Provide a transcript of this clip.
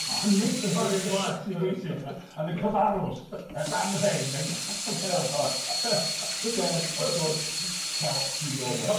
On' nid torri'r gwallt sy'n bwysig yy on' y cyfarws, yr anrheg, mae'n ca'l gynna fo sef, wrth gwrs, ca'l hudiol wedd.